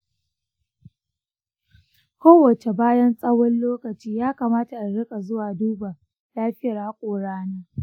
kowace bayan tsawon lokaci ya kamata in riƙa zuwa duba lafiyar haƙorana?